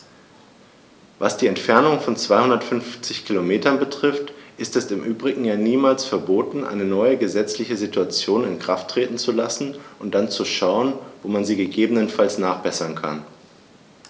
Was die Entfernung von 250 Kilometern betrifft, ist es im Übrigen ja niemals verboten, eine neue gesetzliche Situation in Kraft treten zu lassen und dann zu schauen, wo man sie gegebenenfalls nachbessern kann.